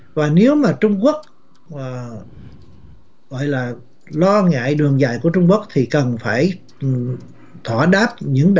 và nếu mà trung quốc ờ gọi là lo ngại đường dài của trung quốc thì cần phải ừ thỏa đáp những